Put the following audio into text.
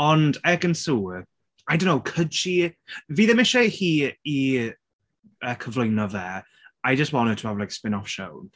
Ond Ekin Su I don't know, could she? Fi ddim eisiau i hi i yy cyflwyno fe. I just want her to have like a spin-off show.